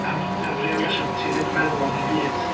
Am d- am ryw reswm ti ddim yn meddwl ond ddim byd.